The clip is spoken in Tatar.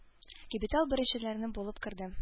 Кибеткә ул беренчеләрдән булып керде.